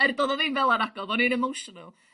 i'n emowsonwer bo' fe ddim fel yna ag odd i'n emosional...